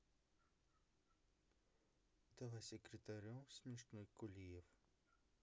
давай секретарем смешной кулиев